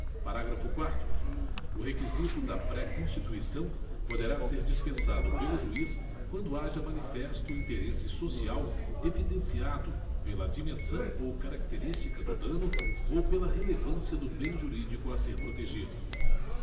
parágrafo quarto o requisito da préconstituição poderá ser dispensado pelo juiz quando haja manifesto interesse social evidenciado pela dimensão ou característica do dano ou pela relevância do bem jurídico a ser protegido